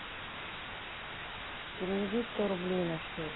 переведи сто рублей на счет